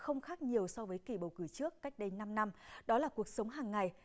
không khác nhiều so với kỳ bầu cử trước cách đây năm năm đó là cuộc sống hằng ngày